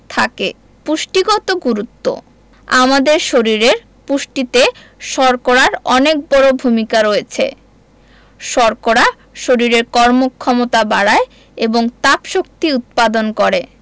থাকে পুষ্টিগত গুরুত্ব আমাদের শরীরের পুষ্টিতে শর্করার অনেক বড় ভূমিকা রয়েছে শর্করা শরীরের কর্মক্ষমতা বাড়ায় এবং তাপশক্তি উৎপাদন করে